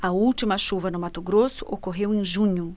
a última chuva no mato grosso ocorreu em junho